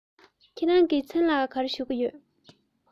ཁྱེད རང གི མཚན ལ ག རེ ཞུ གི ཡོད